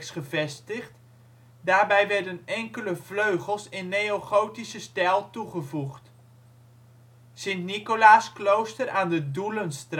gevestigd (daarbij werden enkele vleugels in neogotische stijl toegevoegd). Sint-Nicolaasklooster